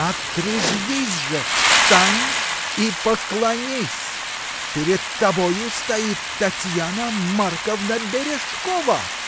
Отрезвись же, встань и поклонись: перед тобою стоит Татьяна Марковна Бережкова!